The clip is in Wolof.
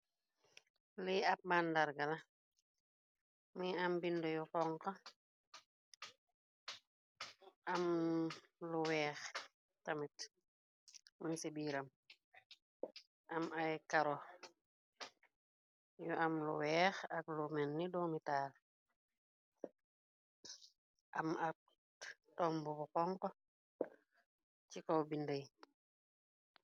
Lii ab man dargala mi am bind yu xonk am lu weex tamit mën ci biiram am ay karo yu am lu weex ak lu men ni doomitaal am ab tomb bu xonk ci kaw bind yi.